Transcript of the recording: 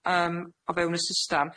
yym o fewn y systam.